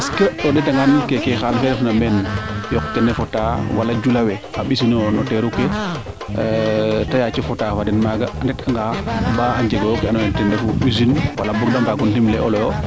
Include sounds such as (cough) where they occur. est :frq ce o ndeeta ngaan aussi kee xaal fe refna meen yoqene fota walka jula le a mbesinoyo no teeru ke (hesitation) te yaaco fotaa fo den maaga a ndet anga baa nje oyo ke ando naye ten refu usine de mbug de mbaago ndimle a den